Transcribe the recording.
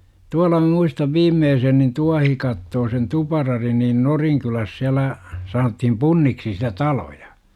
tuolla muistan viimeisen niin tuohikattoisen tuparadin niin Norinkylässä siellä sanottiin Punniksi sitä taloja